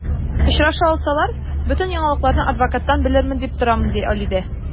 Очраша алсалар, бөтен яңалыкларны адвокаттан белермен дип торам, ди Алидә.